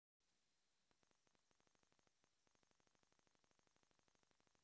фильм ужас каннибал